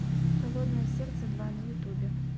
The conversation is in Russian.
холодное сердце два на ютубе